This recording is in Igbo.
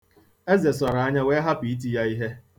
Eze sọrọ anya wee hapụ iti ya ihe.